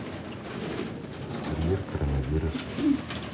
курьер коронавирус